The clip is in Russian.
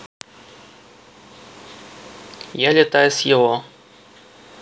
я летаю с его